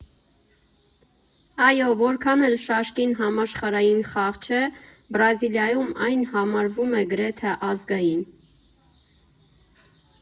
Այո, որքան էլ շաշկին համաշխարհային խաղ չէ, Բրազիլիայում այն համարվում է գրեթե ազգային։